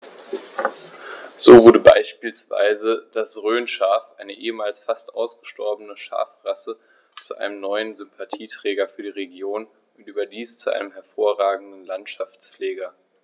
So wurde beispielsweise das Rhönschaf, eine ehemals fast ausgestorbene Schafrasse, zu einem neuen Sympathieträger für die Region – und überdies zu einem hervorragenden Landschaftspfleger.